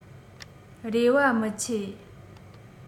རེ བ མི ཆེ